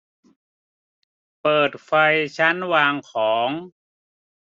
เปิดไฟชั้นวางของ